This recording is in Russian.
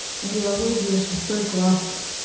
биология шестой класс